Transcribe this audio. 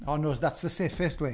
O no, that's the safest way.